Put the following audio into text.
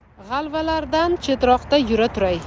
g'alvalardan chetroqda yura turay